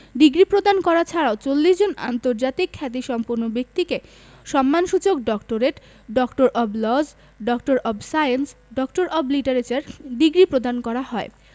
degree প্রদান করা ছাড়াও ৪০ জন আন্তর্জাতিক খ্যাতিসম্পন্ন ব্যক্তিকে সম্মানসূচক doctorate doctor of laws doctor of science doctor of literature degree প্রদান করা হয়